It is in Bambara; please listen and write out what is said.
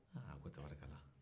a ko tabarikala